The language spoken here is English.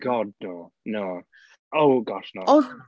God no, no oh gosh no.